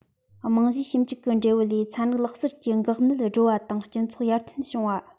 རྨང གཞིའི ཞིབ འཇུག གི འབྲས བུ ལས ཚན རིག ལག རྩལ གྱི འགག གནད སྒྲོལ བ དང སྤྱི ཚོགས ཡར ཐོན བྱུང བ